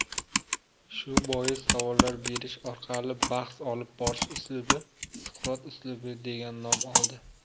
shu bois savollar berish orqali bahs olib borish uslubi suqrot uslubi degan nom oldi